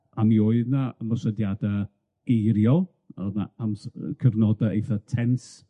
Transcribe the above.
a mi oedd 'na ymosodiada eiriol, a o'dd 'na ams- yy cyfnode eitha tense.